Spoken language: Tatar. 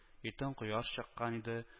Иртән кояш чыккан иде